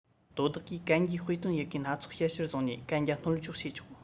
དོ བདག གིས གན རྒྱའི དཔེ སྟོན ཡི གེ སྣ ཚོགས དཔྱད གཞིར བཟུང ནས གན རྒྱ སྣོལ འཇོག བྱས ཆོག